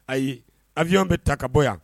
Ayi avion bɛ ta ka bɔ yan